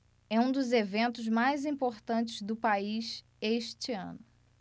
é um dos eventos mais importantes do país este ano